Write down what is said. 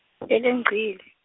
-elengcile.